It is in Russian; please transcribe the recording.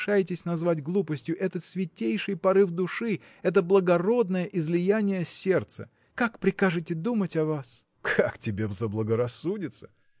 решаетесь назвать глупостью этот святейший порыв души это благородное излияние сердца как прикажете думать о вас? – Как тебе заблагорассудится.